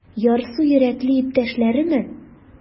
Ярсу йөрәкле иптәшләреме?